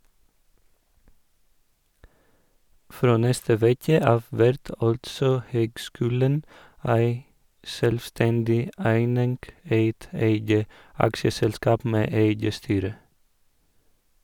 Frå neste veke av vert altså høgskulen ei sjølvstendig eining, eit eige aksjeselskap med eige styre.